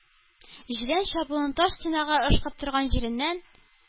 Җилән чабуын таш стенага ышкып торган җиреннән